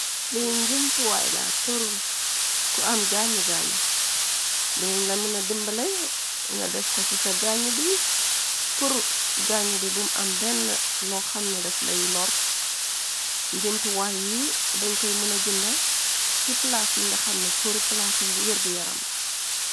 Lii njumtuwaay la pur ku am gaññu gaañu dinañ la mëna dimbale, nga def ko ci sa gàññu bi pur gaanju bii bum am benn loo xamne daf lay lorre, njumtuwaay yi dañ koy mëna jeunda ci plaas yi nga xamne pur plaas yii wergu yaram la.